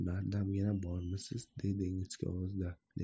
bardamgina bormisiz deydi ingichka ovozda